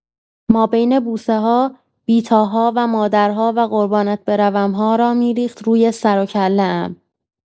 مابین بوسه‌ها"بی‌تاها"و"مادرها"و"قربانت بروم‌ها"را می‌ریخت روی سروکله‌ام.